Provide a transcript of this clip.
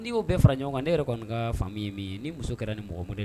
N'i'o bɛɛ fara ɲɔgɔn kan ne yɛrɛ kɔni n ka fa ye min ye nin muso kɛra ni mɔgɔ